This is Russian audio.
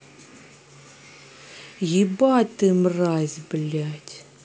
ебать ты мразь блядь